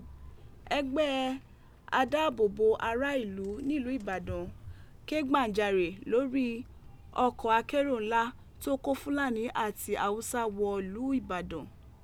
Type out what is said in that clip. Ẹgbẹ́ Adáàbòbo ará ìlú nílùú Ibadan ke gbàjarè lórí ọkọ̀ akẹ́rù ńlá tó kó Fulani ati Hausa wọ̀lú Ibadan